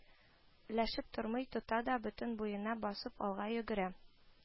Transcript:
Ләшеп тормый, тота да бөтен буена басып алга йөгерә